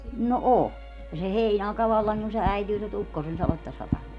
no on ja se heinäaika vallankin kun se äityy nyt ukkosen sadetta satamaan